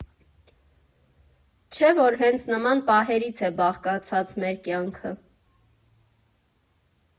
Չէ՞ որ հենց նման պահերից է բաղկացած մեր կյանքը։